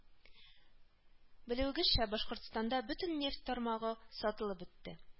Белүегезчә, Башкортстанда бөтен нефть тармагы сатылып бетте